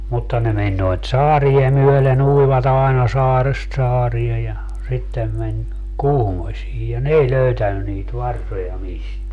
mutta ne meni noita saaria myöden uivat aina saaresta saareen ja sitten meni Kuhmoisiin ja ne ei löytänyt niitä varsoja mistään